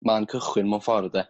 man cychwyn mewn ffor yde?